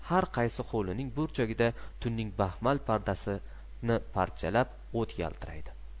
har qaysi hovlining burchagida tunning baxmal pardasini parchalab o't yaltiraydi